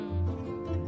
Wa